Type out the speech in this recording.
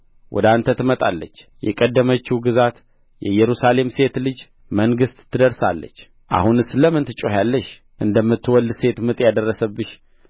ወደ አንተ ትመጣለች የቀደመችው ግዛት የኢየሩሳሌም ሴት ልጅ መንግሥት ትደርሳለች አሁንስ ለምን ትጮኺአለሽ እንደምትወልድ ሴት ምጥ የደረሰብሽ